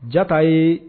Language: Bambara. Jata ye